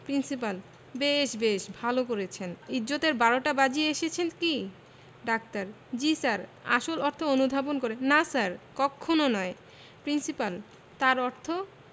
principal বেশ বেশ ভালো করেছেন ইজ্জতের বারোটা বাজিয়ে এসেছেন কি ডাক্তার জ্বী স্যার আসল অর্থ অনুধাবন করে না স্যার কক্ষণো নয় প্রিন্সিপাল তার অর্থ